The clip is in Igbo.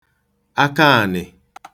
akaànị̀